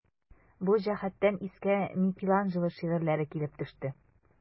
Бу җәһәттән искә Микеланджело шигырьләре килеп төште.